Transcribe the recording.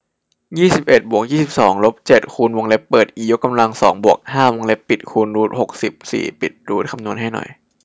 ยี่สิบเอ็ดบวกยี่สิบสองลบเจ็ดคูณวงเล็บเปิดอียกกำลังสองบวกห้าวงเล็บปิดคูณรูทหกสิบสี่ปิดรูทคำนวณให้หน่อย